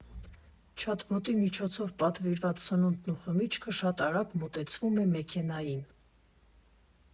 Չատբոտի միջոցով պատվիրված սնունդն ու խմիչքը շատ արագ մոտեցվում է մեքենային։